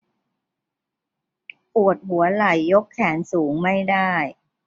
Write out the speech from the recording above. ปวดหัวไหล่ยกแขนสูงไม่ได้